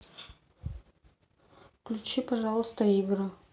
включи пожалуйста игры